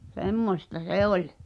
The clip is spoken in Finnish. semmoista se oli